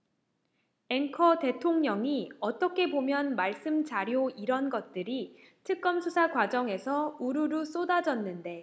앵커 대통령이 어떻게 보면 말씀자료 이런 것들이 특검 수사 과정에서 우루루 쏟아졌는데